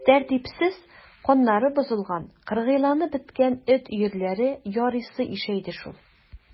Тәртипсез, каннары бозылган, кыргыйланып беткән эт өерләре ярыйсы ишәйде шул.